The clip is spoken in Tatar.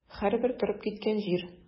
Һәрбер торып киткән җир.